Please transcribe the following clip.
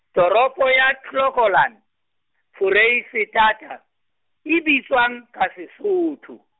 Toropo ya Clocolan, Foreisetata, e bitswang ka Sesotho?